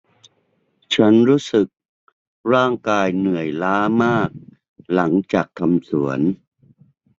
ฉันรู้สึกร่างกายเหนื่อยล้ามากหลังจากทำสวน